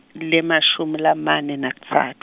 lemashumi lamane nakutsatfu.